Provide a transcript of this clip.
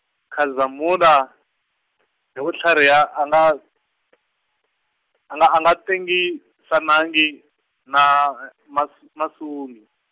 Khazamula , hi ku tlhariha a nga, a nga, a nga tengisanangi na Mas- Masungi.